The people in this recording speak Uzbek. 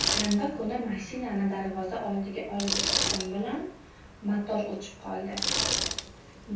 shanba kuni mashinani darvoza oldiga olib chiqishim bilan motor o'chib qoldi